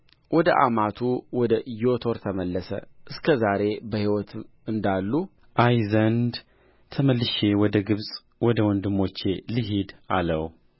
ወደ አማቱ ወደ ዮቶር ተመለሰ እስከ ዛሬ በሕይወት እንዳሉ አይ ዘንድ ተመልሼ ወደ ግብፅ ወደ ወንድሞቼ ልሂድ አለው